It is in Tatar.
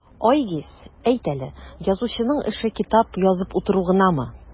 Айгиз, әйт әле, язучының эше китап язып утыру гынамы?